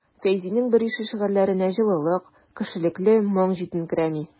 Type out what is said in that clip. Фәйзинең берише шигырьләренә җылылык, кешелекле моң җитенкерәми.